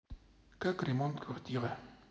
как ремонт квартира